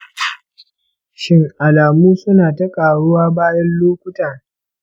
shin, alamun suna ta ƙaruwa bayan lokuta?